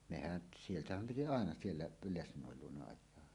mehän sieltähän piti aina siellä - lesnoin luona ajaa